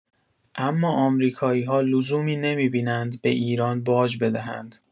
اما آمریکایی‌ها لزومی نمی‌ببینند به ایران باج بدهند.